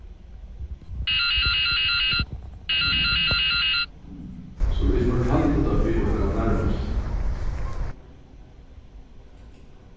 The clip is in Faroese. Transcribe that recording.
so vit fortaldu tað fyri okkara nærmastu